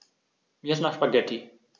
Mir ist nach Spaghetti.